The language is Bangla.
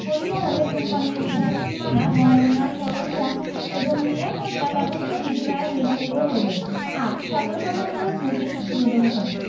পরিবহণে ধূমপানের স্থানের সীমানা বর্ণনা সরঞ্জাম এবং নিরাপত্তা ব্যবস্থা বিধি দ্বারা নির্ধারিত হইবে ৮ সতর্কতামূলক নোটিশ প্রদর্শন